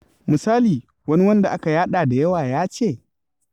Misali, wani wanda aka yaɗa da yawa ya ce: